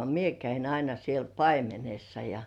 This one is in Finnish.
minä kävin aina siellä paimenessa ja